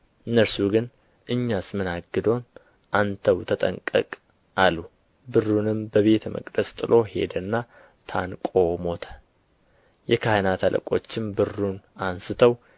እነርሱ ግን እኛስ ምን አግዶን አንተው ተጠንቀቅ አሉ ብሩንም በቤተ መቅደስ ጥሎ ሄደና ታንቆ ሞተ የካህናት አለቆችም ብሩን አንሥተው